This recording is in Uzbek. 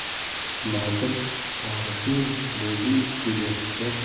nodir tarixiy muzey ustiga tuproq